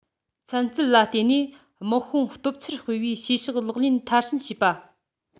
ཚན རྩལ ལ བརྟེན ནས དམག དཔུང སྟོབས ཆེར སྤེལ བའི བྱེད ཕྱོགས ལག ལེན མཐར ཕྱིན བྱེད པ